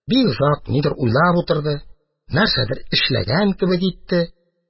Бик озак нидер уйлап утырды, нәрсәдер эшләгән кебек итте.